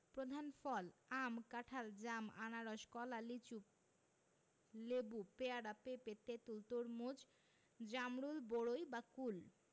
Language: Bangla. প্রধান ফলঃ আম কাঁঠাল জাম আনারস কলা লিচু লেবু পেয়ারা পেঁপে তেঁতুল তরমুজ জামরুল বরই বা কুল